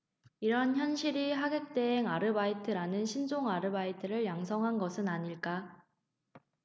이런 현실이 하객 대행 아르바이트라는 신종 아르바이트를 양성한 것은 아닐까